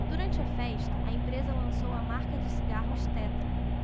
durante a festa a empresa lançou a marca de cigarros tetra